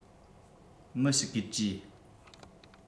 མི ཞིག གིས དྲིས